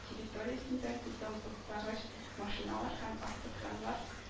Территориясендә бетон бутагыч машиналар һәм автокраннар